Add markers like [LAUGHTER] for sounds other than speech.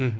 [HESITATION] [HESITATION]